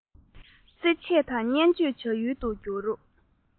རྩེད ཆས དང བརྙས བཅོས བྱ ཡུལ དུ གྱུར